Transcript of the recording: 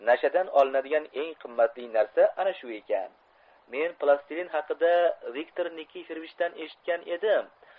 nashadan olinadigan eng qimmatli narsa ana shu ekan men plastilin haqida viktor nikiforovichdan eshitgan edim